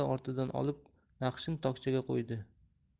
ortidan olib naqshin tokchaga qo'ydi